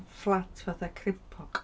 fflat fatha crempog.